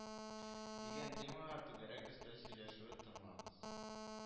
Дигән темага түгәрәк өстәл сөйләшүе тыңлагыз